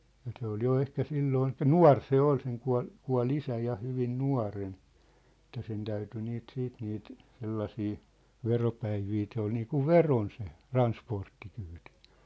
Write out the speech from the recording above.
ja se oli jo ehkä silloin eli nuori se oli sen kuoli kuoli isä ja hyvin nuorena että sen täytyi niitä sitten niitä sellaisia veropäiviä se oli niin kuin verona se transporttikyyti